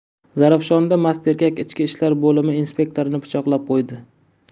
zarafshonda mast erkak ichki ishlar boimi inspektorini pichoqlab qo'ydi